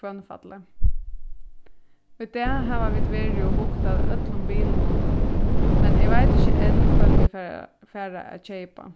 hvønnfalli í dag hava vit verið og hugt at øllum bilunum men eg veit ikki enn hvønn vit fara fara at keypa